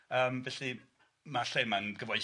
Yym felly ma'r lle ma'n gyfoethog de, ia.